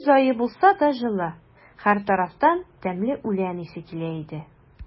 Көз ае булса да, җылы; һәр тарафтан тәмле үлән исе килә иде.